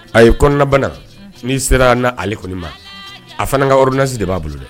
A ye kɔnɔnabana n'i sera a na ali kɔni ma a fana karunasi de b'a bolo dɛ